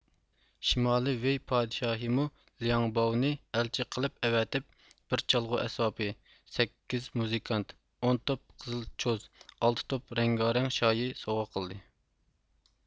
شىمالىي ۋېي پادىشاھىمۇ لياڭباۋنى ئەلچى قىلىپ ئەۋەتىپ بىر چالغۇ ئەسۋابى سەككىز مۇزىكانت ئون توپ قىزىل چوز ئالتە توپ رەڭگارەڭ شايى سوۋغا قىلدى